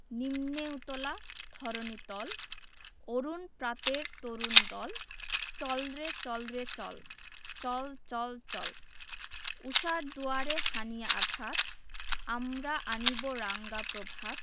নিম্নে উতলা ধরণি তল অরুণ প্রাতের তরুণ দল চল রে চল রে চল চল চল চল ঊষার দুয়ারে হানি' আঘাত আমরা আনিব রাঙা প্রভাত